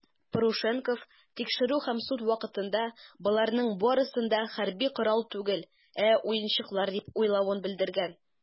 Парушенков тикшерү һәм суд вакытында, боларның барысын да хәрби корал түгел, ә уенчыклар дип уйлавын белдергән.